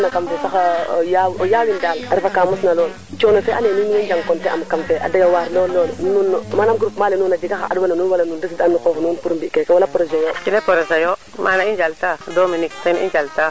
Yande Faye fog na ɗingale ɗingale Gnilane Ndour a adwan na ka ɗomna tig tamit parce que o ndeta ngan calel ke mbine na ɗoma o naro xes xemben xa éléve of xembana ñakit jal calel den xena calel mbina ɗomit na instant nene kam mbine daal